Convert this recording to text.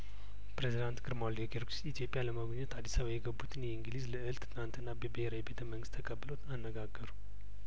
ፕሬዚዳንት ግርማ ወልደ ጊዮርጊስን ኢትዮጵያ ለመጐብኘት አዲስ አበባ የገቡትን የእንግሊዝ ልእልት ትናንት በብሄራዊ ቤተ መንግስት ተቀብለው አነጋገሩ